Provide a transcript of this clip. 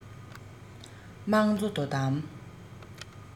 དམངས གཙོ དོ དམ